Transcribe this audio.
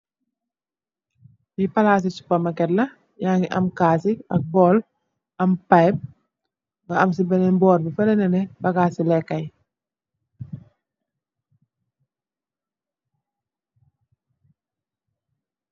Fi palasi supermarket la am kass ak bowl ak pipe am si benen burr bi bagasi lekah yi.